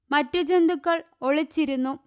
മറ്റു ജന്തുക്കൾ ഒളിച്ചിരുന്നു